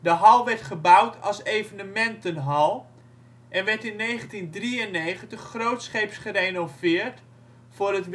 hal werd gebouwd als evenementenhal en werd in 1993 grootscheeps gerenoveerd voor het